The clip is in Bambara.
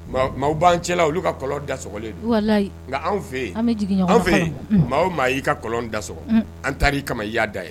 Maa ban cɛlala olu ka kɔlɔn dalen nka anw fɛ yen fɛ maa maa y'i ka kɔlɔn da sɔrɔɔgɔ an taara'i kama ya da ye